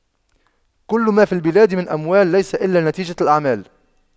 كل ما في البلاد من أموال ليس إلا نتيجة الأعمال